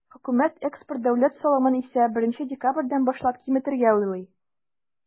Хөкүмәт экспорт дәүләт салымын исә, 1 декабрьдән башлап киметергә уйлый.